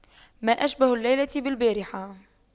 ما أشبه الليلة بالبارحة